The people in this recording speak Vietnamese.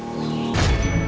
có